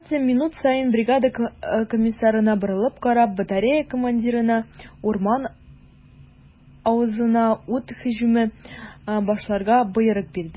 Каладзе, минут саен бригада комиссарына борылып карап, батарея командирына урман авызына ут һөҗүме башларга боерык бирде.